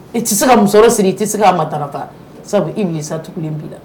I tɛ se ka muso siri i tɛ se k'a ma dafarata sabu i ye satilen bi la